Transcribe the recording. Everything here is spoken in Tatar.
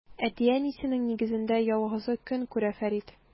Әти-әнисенең нигезендә ялгызы көн күрә Фәрид.